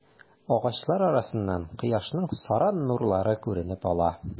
Агачлар арасыннан кояшның саран нурлары күренеп ала.